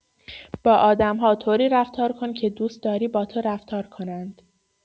با آدم‌ها طوری رفتار کن که دوست‌داری با تو رفتار کنند!